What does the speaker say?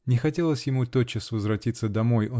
Не хотелось ему тотчас возвратиться домой